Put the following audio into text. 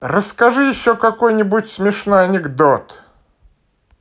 расскажи еще какой нибудь смешной анекдот